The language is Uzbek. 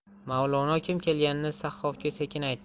mavlono kim kelganini sahhofga sekin aytdi